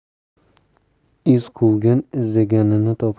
iz quvgan izlaganini topar